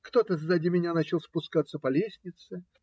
Кто-то сзади меня начал спускаться по лестнице.